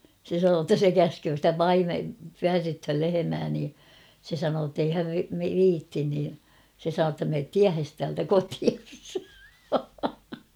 se sanoi että se käskee sitä - pyörryttämään lehmää niin se sanoi että ei hän viitsi niin se sanoi jotta mene tiehesi täältä kotiin